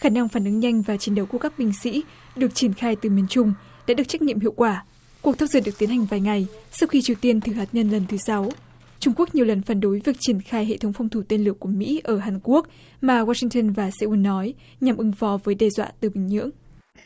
khả năng phản ứng nhanh và chiến đấu của các binh sĩ được triển khai từ miền trung đã được trách nhiệm hiệu quả cuộc thăm dò được tiến hành vài ngày sau khi triều tiên thử hạt nhân lần thứ sáu trung quốc nhiều lần phản đối việc triển khai hệ thống phòng thủ tên lửa của mỹ ở hàn quốc mà goa sinh tơn và se un nói nhằm ứng phó với đe dọa từ bình nhưỡng